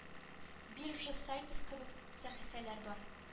Биржа сайтов кебек сәхифәләр бар